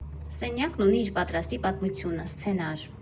Սենյակն ունի իր պատրաստի պատմությունը, սցենար։